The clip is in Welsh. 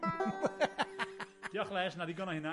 Diolch Les, 'na ddigon o hynna.